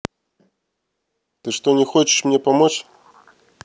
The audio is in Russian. ты что не хочешь мне помочь